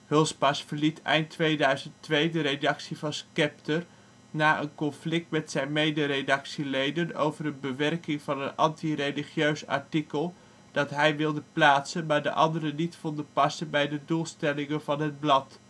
Hulspas verliet eind 2002 de redactie van Skepter na een conflict met zijn mederedactieleden over een bewerking van een anti-religieus artikel dat hij wilde plaatsen maar de anderen niet vonden passen bij de doelstellingen van het blad